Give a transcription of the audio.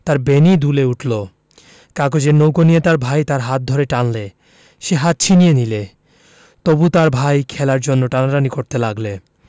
তার বেণী দুলে উঠল কাগজের নৌকো নিয়ে তার ভাই তার হাত ধরে টানলে সে হাত ছিনিয়ে নিলে তবু তার ভাই খেলার জন্যে টানাটানি করতে লাগলে